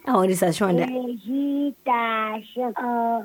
Awɔ récitation da; Récitation ɔ